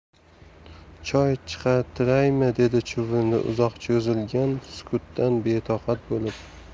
choy chaqirtiraymi dedi chuvrindi uzoq cho'zilgan sukutdan betoqat bo'lib